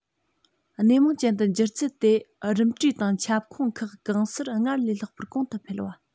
སྣེ མང ཅན དུ འགྱུར ཚུལ དེ རིམ གྲས དང ཁྱབ ཁོངས ཁག གང སར སྔར ལས ལྷག པར གོང དུ འཕེལ བ